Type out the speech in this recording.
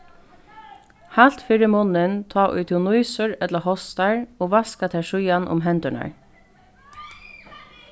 halt fyri munnin tá ið tú nýsur ella hostar og vaska tær síðan um hendurnar